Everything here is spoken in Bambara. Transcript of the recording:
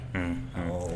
Un